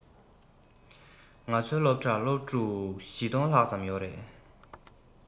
ང ཚོའི སློབ གྲྭར སློབ ཕྲུག ༤༠༠༠ ལྷག ཙམ ཡོད རེད